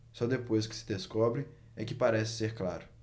só depois que se descobre é que parece ser claro